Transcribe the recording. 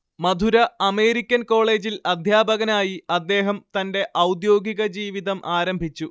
മധുര American കോളെജിൽ അദ്ധ്യാപകനായി അദ്ദേഹം തന്റെ ഔദ്യോഗിക ജീവിതം ആരംഭിച്ചു